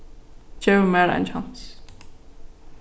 gev mær ein kjans